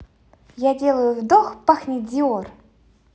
я делаю вдох пахнет dior